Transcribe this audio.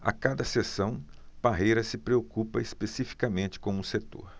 a cada sessão parreira se preocupa especificamente com um setor